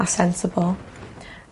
A sensible.